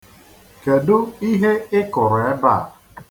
Kedu ihe ị kụrụ ebe a?